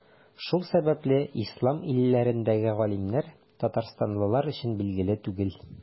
Шул сәбәплеме, Ислам илләрендәге галимнәр Татарстанлылар өчен билгеле түгел.